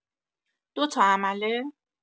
دو تا عمله؟!